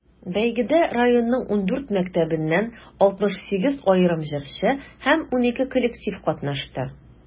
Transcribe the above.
Бәйгедә районның 14 мәктәбеннән 68 аерым җырчы һәм 12 коллектив катнашты.